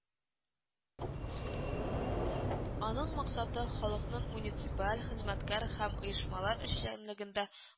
Аның максаты халыкның муниципаль хезмәткәр һәм оешмалар эшчәнлегендә